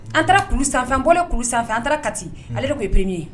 An taara kulu sanfɛ bɔɛ kulu sanfɛ taara kati ale de k' yeere ye